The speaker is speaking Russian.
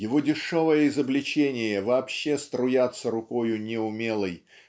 его дешевое изобличение вообще строятся рукою неумелой